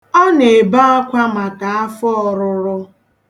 Ọ na-ebe akwa maka afọ ọrụrụ.